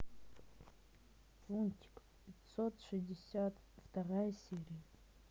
лунтик пятьсот шестьдесят вторая серия